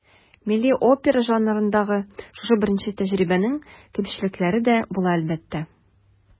Милли опера жанрындагы шушы беренче тәҗрибәнең кимчелекләре дә була, әлбәттә.